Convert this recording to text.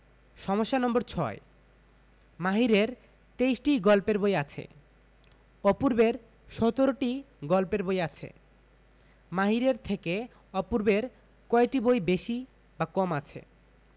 সমস্যা নম্বর ৬ মাহিরের ২৩টি গল্পের বই আছে অপূর্বের ১৭টি গল্পের বই আছে মাহিরের থেকে অপূর্বের কয়টি বই বেশি বা কম আছে